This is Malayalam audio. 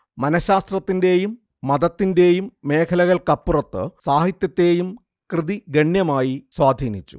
മനഃശാസ്ത്രത്തിന്റേയും മതത്തിന്റേയും മേഖലകൾക്കപ്പുറത്ത് സാഹിത്യത്തേയും കൃതി ഗണ്യമായി സ്വാധീനിച്ചു